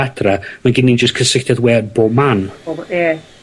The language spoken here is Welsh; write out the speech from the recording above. adra. Ma' gen ni jyst cysylltiad we ym bob man. O by- ie.